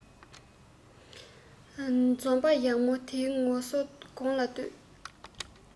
འཛོམས པ ཡག མོ འདིའི ངོ སོ དགུང ལ བསྟོད